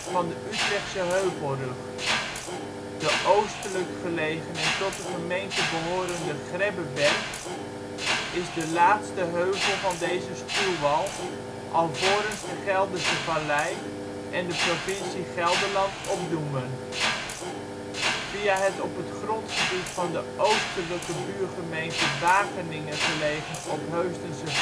van de Utrechtse Heuvelrug. De oostelijk gelegen en tot de gemeente behorende Grebbeberg is de laatste heuvel van deze stuwwal, alvorens de Gelderse Vallei en de provincie Gelderland opdoemen. Via het op het grondgebied van de oostelijke buurgemeente Wageningen gelegen Opheusdense Veer